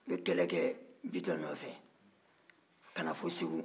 u ye kɛlɛ kɛ bitɔn nɔfɛ ka na fɔ segu